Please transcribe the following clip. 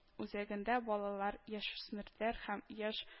Үзәгендә балалар, яшүсмерләр һәм яшь